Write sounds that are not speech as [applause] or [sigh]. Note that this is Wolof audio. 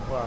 [hesitation] [hesitation]